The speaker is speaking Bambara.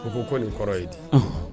O ko ko ko nin kɔrɔ ye di ɔnhɔn